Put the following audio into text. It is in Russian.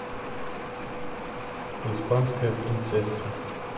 испанская принцесса